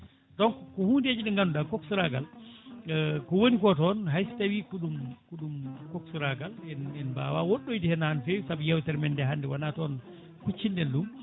donc ko hundeji ɗi ganduɗa coxeur agal ko woni ko toon hay so tawi ko ɗum ko ɗum coxeur agal en en mbawa woɗɗoyde hen ha no fewi saabu yewtere men nde hande wona toon kuccinɗen ɗum